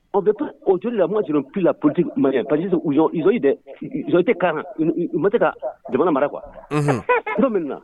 Ɔ bɛ o joli la ma juru p la p dɛo matɛ jamana mara kuwa tuma min na